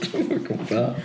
Dwi'm yn gwbod.